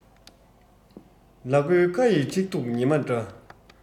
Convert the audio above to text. ལ མགོའི ཁ ཡི ཁྲི གདུགས ཉི མ འདྲ